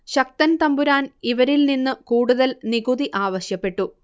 ശക്തൻ തമ്പുരാന് ഇവരില് നിന്ന് കൂടുതല് നികുതി ആവശ്യപ്പെട്ടു